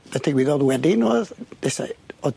Be' ddigwyddodd wedyn o'dd desai o'dd...